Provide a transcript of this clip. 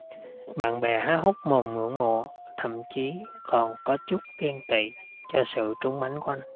bạn bè há hốc mồm ngưỡng mộ thậm chí còn có chút ghen tỵ cho sự trúng mánh của anh